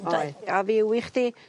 Oedd. A fyw i chdi